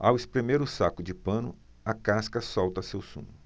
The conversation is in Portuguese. ao espremer o saco de pano a casca solta seu sumo